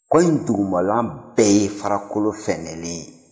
kɔ in dugumana bɛɛ ye farakolo fɛɛnɛlen ye